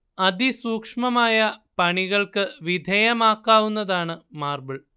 അതിസൂക്ഷ്മമായ പണികൾക്ക് വിധേയമാക്കാവുന്നതാണ് മാർബിൽ